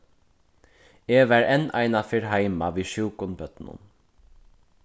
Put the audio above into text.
eg var enn einaferð heima við sjúkum børnum